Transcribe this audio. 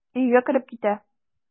Өйгә кереп китә.